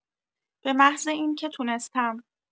به‌محض اینکه تونستم.